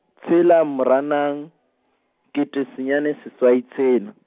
tshela Moranang , ke tee senyane seswai tshela.